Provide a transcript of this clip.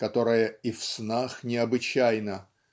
которая "и в снах необычайна"